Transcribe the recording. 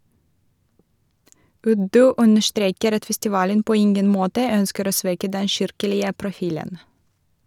Uddu understreker at festivalen på ingen måte ønsker å svekke den kirkelige profilen.